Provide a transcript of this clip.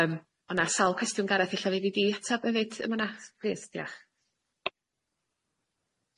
Yym o' na sawl cwestiwn Gareth ella fydd i di atab efyd yn fan'na? S- plîs diolch.